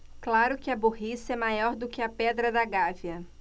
claro que a burrice é maior do que a pedra da gávea